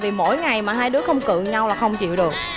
vì mỗi ngày mà hai đứa không cự nhau là không chịu được